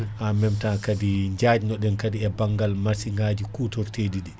en ,même, temps kaadi jaajnoɗen kaadi e banggal massiŋaji kutorteɗi ɗi